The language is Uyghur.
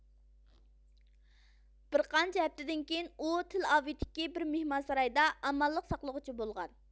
بىر قانچە ھەپتىدىن كېيىن ئۇ تېل ئاۋېۋتىكى بىر مىھمانسارايدا ئامانلىق ساقلىغۇچى بولغان